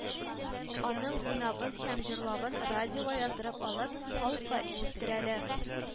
Аның уйнавын һәм җырлавын радиога яздырып алып, халыкка ишеттерәләр